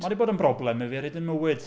Mae 'di bod yn broblem i fi ar hyd fy mywyd.